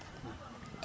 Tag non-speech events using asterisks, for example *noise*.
*hesitation* *hesitation*